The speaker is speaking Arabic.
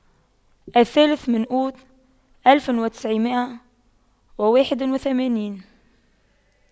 الثالث من أوت ألف وتسعمئة وواحد وثمانين